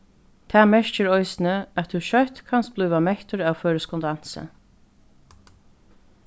tað merkir eisini at tú skjótt kanst blíva mettur av føroyskum dansi